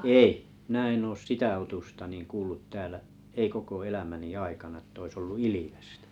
ei minä en ole sitä otusta niin kuullut täällä ei koko elämäni aikana että olisi ollut ilvestä